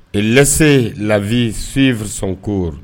lɛse lavi sivr sɔn kur